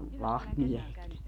lahtimiehetkin